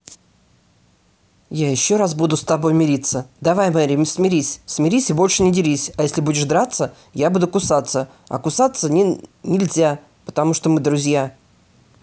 я еще раз буду с тобой мириться давай мери смирись смирись и больше не дерись а если будешь драться я буду кусаться а кусаться не нельзя потому что мы друзья